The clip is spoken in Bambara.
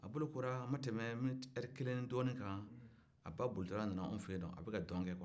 a bolo kora a ma tɛmɛ nimiti kelen ni dɔɔnin ka a ba bolotɔ la nana anw fɛ yen no a bɛka don kɛ